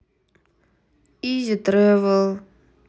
изи трэвел